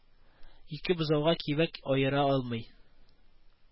Ике бозауга кибәк аера алмый